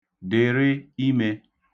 Dịrị ime.